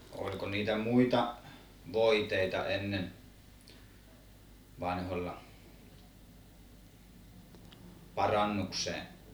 oliko niitä muita voiteita ennen vanhoilla parannukseen